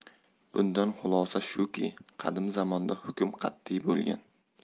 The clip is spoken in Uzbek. bundan xulosa shuki qadim zamonda hukm qat'iy bo'lgan